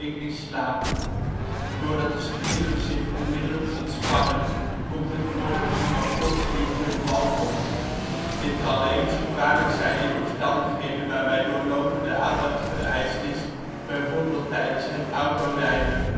in slaap. Doordat de spieren zich onmiddellijk ontspannen, komt het voor dat iemand plotseling ten val komt. Dit kan levensgevaarlijk zijn in omstandigheden waarbij doorlopende aandacht vereist is, bijvoorbeeld tijdens het autorijden